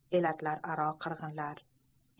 elatlararo qirg'inlar